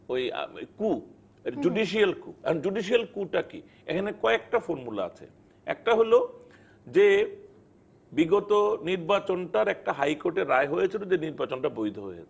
ওই coup judicial coup এখন judicial coup টা কি এখানে কয়েকটা ফর্মুলা আছে একটা হল যে বিগত নির্বাচন টার একটা হাইকোর্টের রায় হয়েছে যে নির্বাচন টা বৈধ হয়েছে